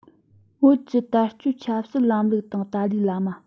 བོད ཀྱི ད སྤྱོད ཆབ སྲིད ལམ ལུགས དང ཏཱ ལའི བླ མ